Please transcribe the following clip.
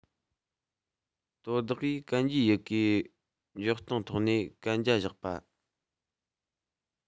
དོ བདག གིས གན རྒྱའི ཡི གེ འཇོག སྟངས ཐོག ནས གན རྒྱ བཞག པ